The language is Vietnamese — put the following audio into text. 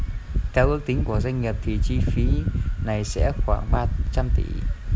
theo ước tính của doanh nghiệp thì chi phí này sẽ khoảng ba trăm tỷ